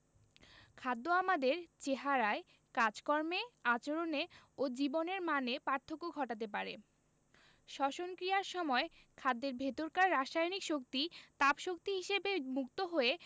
খাদ্য আমাদের চেহারায় কাজকর্মে আচরণে ও জীবনের মানে পার্থক্য ঘটাতে পারে শ্বসন ক্রিয়ার সময় খাদ্যের ভেতরকার রাসায়নিক শক্তি তাপ শক্তি হিসেবে মুক্ত হয়ে